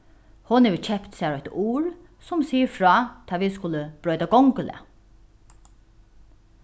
hon hevur keypt sær eitt ur sum sigur frá tá vit skulu broyta gongulag